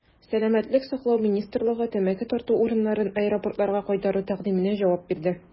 Сәламәтлек саклау министрлыгы тәмәке тарту урыннарын аэропортларга кайтару тәкъдименә җавап бирде.